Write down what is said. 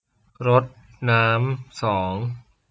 รดน้ำสอง